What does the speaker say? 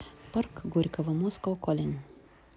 парк горького moscow calling